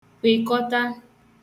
kwèkọta